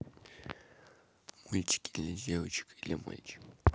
мультики для девочек и для мальчиков